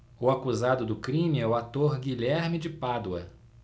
o acusado do crime é o ator guilherme de pádua